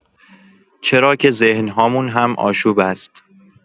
چراکه ذهن‌هامون هم آشوب است.